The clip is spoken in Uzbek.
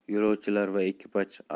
yo'lovchilar va ekipaj